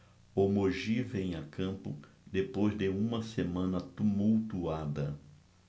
o mogi vem a campo depois de uma semana tumultuada